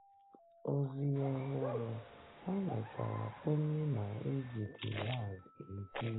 [Ozi Ọhụrụ: ha mechara kwenye na e ji Diaz eji]